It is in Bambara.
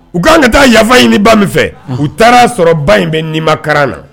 U ka kan ka taa yafa ɲiniba min fɛ u taara'a sɔrɔ ba in bɛ ni makaran na